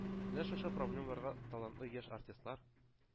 Менә шушы проблемаларга талантлы яшь артистлар,